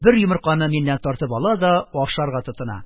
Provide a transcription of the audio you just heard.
Бер йомырканы миннән тартып ала да ашарга тотына.